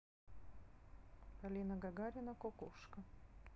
полина гагарина кукушка